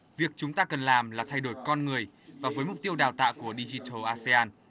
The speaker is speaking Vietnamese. việc chúng ta cần làm là thay đổi con người và với mục tiêu đào tạo của đi gi tô a sê an